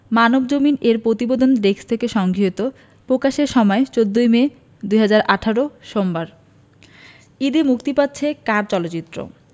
মানবজমিন এর বিনোদন ডেস্ক হতে সংগৃহীত প্রকাশের সময় ১৪ মে ২০১৮ সোমবার ঈদে মুক্তি পাচ্ছে চার চলচ্চিত্র